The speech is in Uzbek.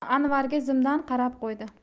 anvarga zimdan qarab qo'ydi